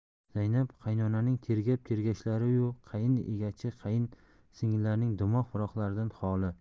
zaynabi qaynonaning tergab tergashlari yu qayin egachi qayin singillarning dimoq firoqlaridan holi